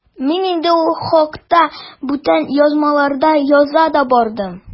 Мин инде ул хакта бүтән язмаларда яза да бардым.